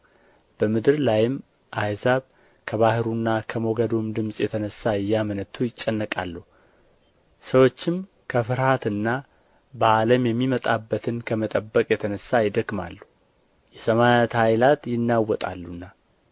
በምድር ላይም አሕዛብ ከባሕሩና ከሞገዱም ድምፅ የተነሣ እያመነቱ ይጨነቃሉ ሰዎችም ከፍርሃትና በዓለም የሚመጣበትን ከመጠበቅ የተነሣ ይደክማሉ የሰማያት ኃይላት ይናወጣሉና